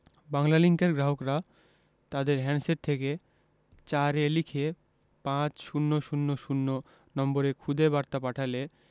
বাংলালিংকের গ্রাহকরা তাদের হ্যান্ডসেট থেকে ৪ এ লিখে পাঁচ শূণ্য শূণ্য শূণ্য নম্বরে খুদে বার্তা পাঠালে